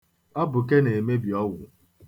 Abụke na-emebi ọgwụ.